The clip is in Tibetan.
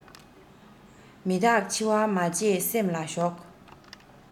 མི རྟག འཆི བ མ བརྗེད སེམས ལ ཞོག